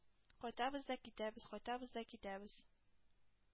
Кайтабыз да китәбез, кайтабыз да китәбез.